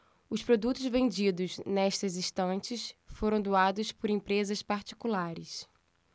os produtos vendidos nestas estantes foram doados por empresas particulares